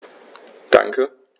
Danke.